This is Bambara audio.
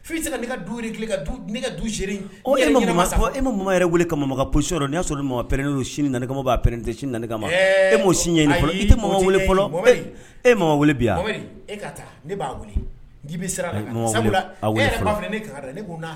F se ka ne du ne ka du e ma yɛrɛ weele ka ma psi n y'a sɔrɔ mama pɛ ne sini na kamama b' pɛte sini kamama e m' si ne i tɛ mama wele fɔlɔ e ma wele bi e